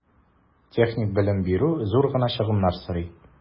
Техник белем бирү зур гына чыгымнар сорый.